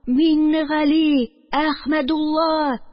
Миңнегали, Әхмәдулла!